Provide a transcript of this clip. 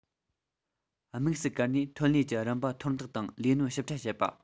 དམིགས སུ བཀར ནས ཐོན ལས ཀྱི རིམ པ མཐོར འདེགས དང ལས སྣོན ཞིབ ཕྲ བྱེད པ